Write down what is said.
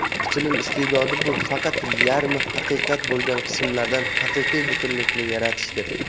tarixchining iste'dodi bu faqat yarmi haqiqat bo'lgan qismlardan haqiqiy butunlikni yaratishdir